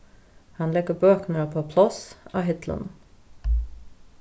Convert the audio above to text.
hann leggur bøkurnar upp á pláss á hillunum